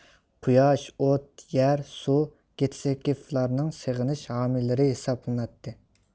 قۇياش ئوت يەر سۇ گىتسكىفلارنىڭ سېغىنىش ھامىيلىرى ھېسابلىناتتى